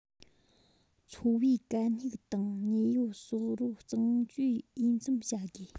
འཚོ བའི གད སྙིགས དང ཉེན ཡོད ཟོག རོ གཙང བཅོས འོས འཚམ བྱ དགོས